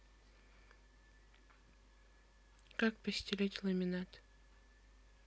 как постелить ламинат